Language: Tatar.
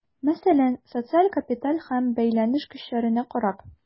Мәсәлән, социаль капитал һәм бәйләнеш көчләренә карап.